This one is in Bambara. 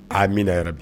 Amina ya rabi.